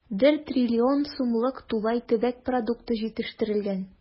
1 трлн сумлык тулай төбәк продукты җитештерелгән.